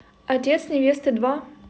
отец невесты два